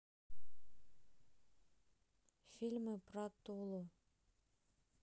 фильмы про тулу